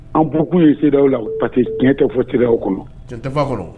An bkun ye sew la pa que tiɲɛ tɛ fɔ sew kɔnɔ tɛ kɔnɔ